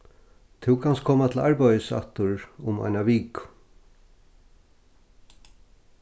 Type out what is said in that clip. tú kanst koma til arbeiðis aftur um eina viku